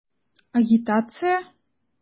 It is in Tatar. Агитация?!